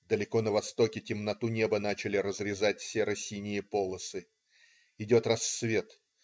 Далеко на востоке темноту неба начали разрезать серо-синие полосы. Идет рассвет.